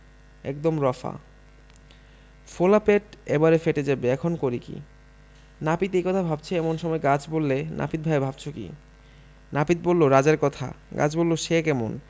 একদম রফা ফোলা পেট এবারে ফেটে যাবে এখন করি কী নাপিত এই কথা ভাবছে এমন সময় গাছ বললে নাপিত ভায়া ভাবছ কী নাপিত বলল রাজার কথা গাছ বলল সে কেমন